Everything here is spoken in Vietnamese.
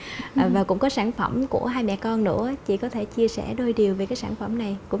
và cũng có sản phẩm của hai mẹ con nữa chị có thể chia sẻ đôi điều về cái sản phẩm này cũng